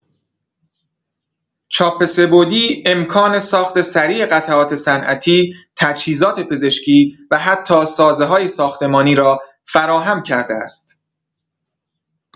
چاپ سه‌بعدی امکان ساخت سریع قطعات صنعتی، تجهیزات پزشکی و حتی سازه‌های ساختمانی را فراهم کرده است.